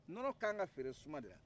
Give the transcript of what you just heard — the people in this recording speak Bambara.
nɔnɔ ka kan ka feere suma de la